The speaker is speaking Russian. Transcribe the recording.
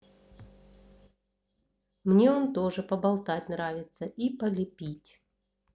мне он тоже поболтать нравится и полепить